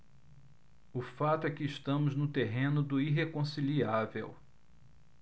o fato é que estamos no terreno do irreconciliável